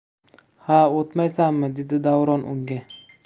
ha o'tmaysanmi dedi davron unga